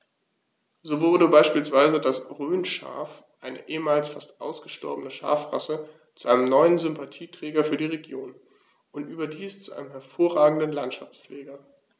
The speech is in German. So wurde beispielsweise das Rhönschaf, eine ehemals fast ausgestorbene Schafrasse, zu einem neuen Sympathieträger für die Region – und überdies zu einem hervorragenden Landschaftspfleger.